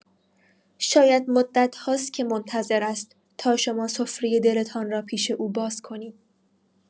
شاید مدت‌هاست که منتظر است تا شما سفره دلتان را پیش او باز کنید.